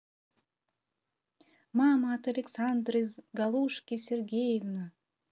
мама от александры галушки сергеевна